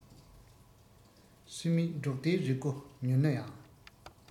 བརྡུངས བརྡུངས ལྕག ཡུ ཁྱི མགོས མ བཅག པར